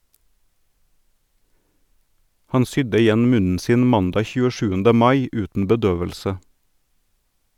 - Han sydde igjen munnen sin mandag 27. mai uten bedøvelse.